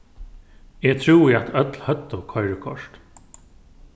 eg trúði at øll høvdu koyrikort